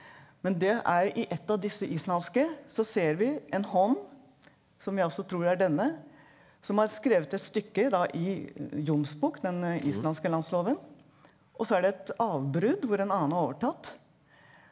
men det er i et av disse islandske så ser vi en hånd som vi altså tror er denne som har skrevet et stykke da i Jonsbok, den islandske landsloven, og så er det et avbrudd hvor en annen har overtatt.